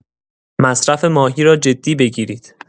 مصرف ماهی را جدی بگیرید.